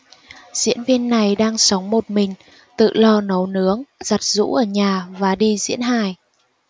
diễn viên này đang sống một mình tự lo nấu nướng giặt giũ ở nhà và đi diễn hài